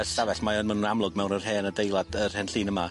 ...y stafell mae yn ma' nw amlwg mewn yr hen adeilad yr hen llun yma.